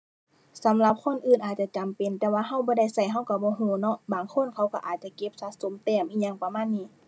สำหรับคนอื่นอาจจะจำเป็น แต่ว่าเราบ่ได้เราเราเราบ่เราเนาะ บางคนเขาเราอาจจะเก็บสะสมแต้มอิหยังประมาณนี้